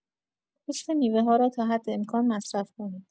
پوست میوه‌ها را تا حد امکان مصرف کنید.